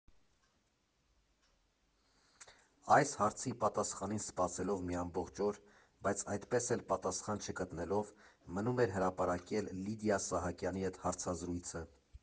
Այս հարցի պատասխանին սպասելով մի ամբողջ օր, բայց այդպես էլ պատասխան չգտնելով՝ մնում էր հրապարակել Լիդիա Սահակյանի հետ հարցազրույցը։